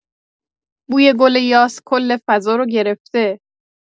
بوی گل یاس کل فضا رو گرفته